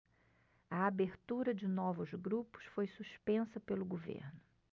a abertura de novos grupos foi suspensa pelo governo